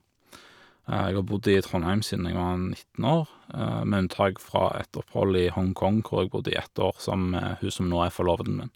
Jeg har bodd i Trondheim siden jeg var nitten år, med unntak fra et opphold i Hong Kong, hvor jeg bodde i ett år sammen med hun som nå er forloveden min.